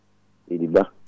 seydi Ba